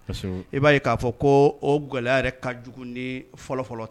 I b'a k'a fɔ ko o gɛlɛ yɛrɛ ka jugu di fɔlɔfɔlɔ